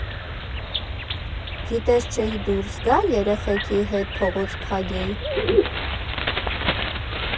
Գիտես չէի դուրս գա՞ երեխեքի հետ փողոց փագեի։